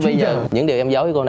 những điều em giấu cô